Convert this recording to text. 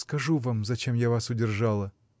скажу вам, зачем я вас удержала.